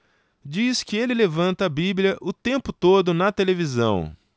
diz que ele levanta a bíblia o tempo todo na televisão